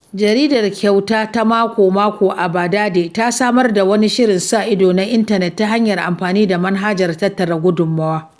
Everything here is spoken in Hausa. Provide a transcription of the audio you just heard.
Jaridar kyauta ta mako-mako, A Verdade, ta samar da wani shirin sa-ido na intanet ta hanyar amfani da manhajar tattara gudunmawa.